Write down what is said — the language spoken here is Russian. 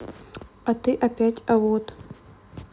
а ты опять а вот